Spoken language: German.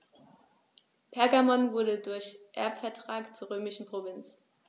Pergamon wurde durch Erbvertrag zur römischen Provinz.